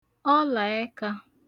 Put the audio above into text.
ọlāẹkā